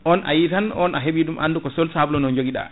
on a yii tan on a heeɓidum andu ko sol sabloneux jooguiɗa